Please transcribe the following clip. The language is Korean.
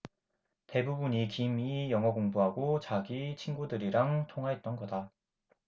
대부분이 김 이 영어공부하고 자기 친구들이랑 통화했던 거다